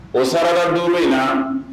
O sarara duuru in na